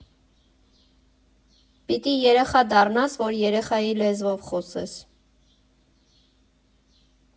Պիտի երեխա դառնաս, որ երեխայի լեզվով խոսես։